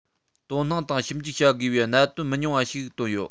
དོ སྣང དང ཞིབ འཇུག བྱ དགོས པའི གནད དོན མི ཉུང བ ཞིག བཏོན ཡོད